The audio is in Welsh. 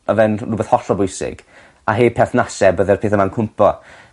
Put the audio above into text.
ma' fe'n rh- rhwbeth hollol bwysig a heb perthnase bydde'r pethe 'ma'n cwmpo.